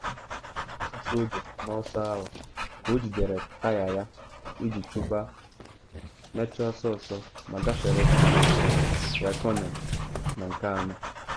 Ọ gara n’ihu nọrọ n’ihu ọtụtụ oge n’ọsọ ahụ ka o jidere taya ya iji chụba mmecha ọsọ ọsọ ma gafere Kimi Raikkonen na nke anọ.